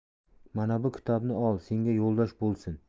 mana bu kitobni ol senga yo'ldosh bo'lsin